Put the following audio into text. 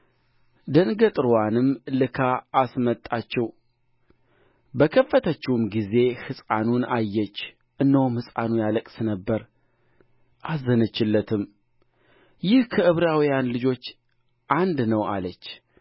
ደንገጥርዋንም ልካ አስመጣችው በከፈተችውም ጊዜ ሕፃኑን አየች እነሆም ሕፃኑ ያለቅስ ነበር አዘነችለትም ይህ ከዕብራውያን ልጆች አንድ ነው አለች